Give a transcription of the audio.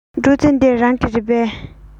སྒྲོག རྩེ འདི རང གི རེད པས